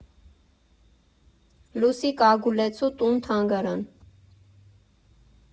Լուսիկ Ագուլեցու տուն֊թանգարան։